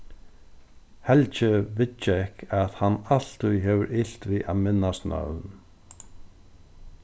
helgi viðgekk at hann altíð hevur ilt við at minnast nøvn